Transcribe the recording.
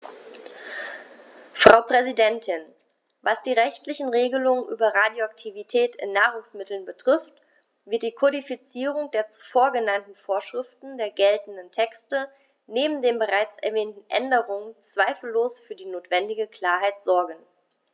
Frau Präsidentin, was die rechtlichen Regelungen über Radioaktivität in Nahrungsmitteln betrifft, wird die Kodifizierung der zuvor genannten Vorschriften der geltenden Texte neben den bereits erwähnten Änderungen zweifellos für die notwendige Klarheit sorgen.